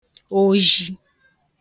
ozhi